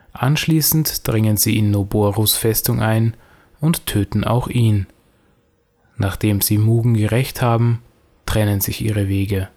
Anschließend dringen sie in Noborus Festung ein und töten auch ihn. Nachdem sie Mugen gerächt haben, trennen sich ihre Wege